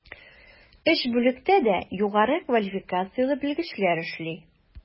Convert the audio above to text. Өч бүлектә дә югары квалификацияле белгечләр эшли.